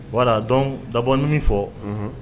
Wala donc d'abord n bɛ min fɔ, unhun